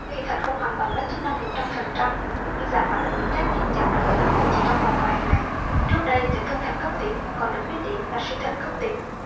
khi thận không hoàn toàn mất chức năng phần trăm là giảm hoạt động một cách nhanh chóng thường chỉ trong vòng vài ngày trước đây chấn thương thận cấp tính còn được biết đến là suy thận cấp tính